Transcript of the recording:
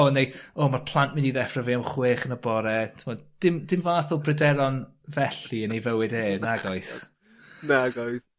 ...o neu o ma'r plant myn' i ddeffro fi am chwech yn y bore t'mod dim dim fath o bryderon felly yn ei fywyd e... Na. ...nagoedd? Nagoedd.